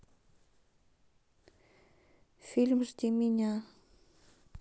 фильм жди меня